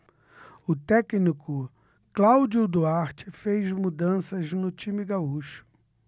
o técnico cláudio duarte fez mudanças no time gaúcho